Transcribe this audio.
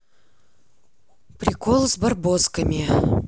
прикол с барбосками